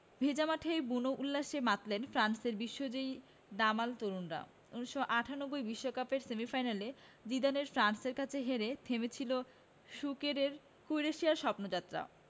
ভেজা মাঠেই বুনো উল্লাসে মাতলেন ফ্রান্সের বিশ্বজয়ী দামাল তরুণরা ১৯৯৮ বিশ্বকাপের সেমিফাইনালে জিদানের ফ্রান্সের কাছে হেরে থেমেছিল সুকেরের ক্রোয়েশিয়ার স্বপ্নযাত্রা